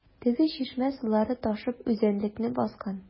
Теге чишмә сулары ташып үзәнлекне баскан.